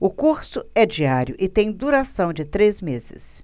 o curso é diário e tem duração de três meses